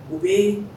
O bɛ